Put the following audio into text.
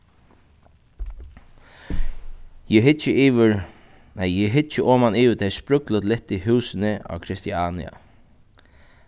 eg hyggi yvir nei eg hyggi oman yvir tey sprøklut littu húsini á christiania